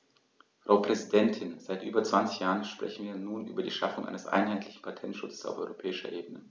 Frau Präsidentin, seit über 20 Jahren sprechen wir nun über die Schaffung eines einheitlichen Patentschutzes auf europäischer Ebene.